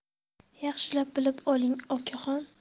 yaxshilab bilib oling okaxon